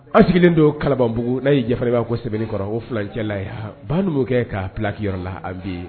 A sigilen don kalabanbugu n'a ye yafa farin b'a kɔ sɛbɛnni kɔrɔ o filacɛla ye ba numukɛ kɛ ka pkiyɔrɔ la a bi ye